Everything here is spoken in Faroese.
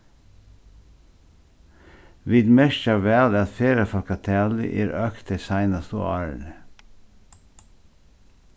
vit merkja væl at ferðafólkatalið er økt tey seinastu árini